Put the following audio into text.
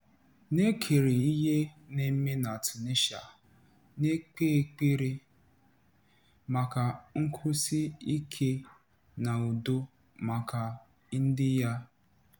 Na-ekiri ihe na-eme na #Tunisia na-ekpe ekpere maka nkwụsi ike na udo maka ndị ya.